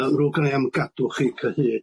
Ma'n ddrwg gynna i am gadw chi cyhyd.